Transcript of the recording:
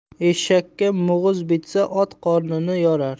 eshakka muguz bitsa ot qornini yorar